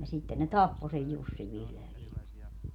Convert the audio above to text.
ja sitten ne tappoi sen Jussin vihdoin ja viimein